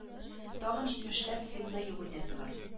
Тагын җитмешләп финны юк итәсе бар